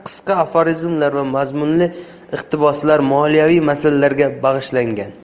aforizmlar va mazmunli iqtiboslar moliyaviy masalalarga bag'ishlangan